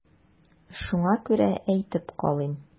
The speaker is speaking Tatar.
Шуңа күрә әйтеп калыйм.